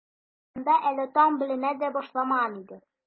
Хәдичә торганда, әле таң беленә дә башламаган иде.